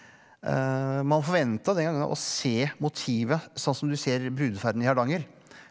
man forventa den gangen å se motivet sånn som du ser Brudeferden i Hardanger.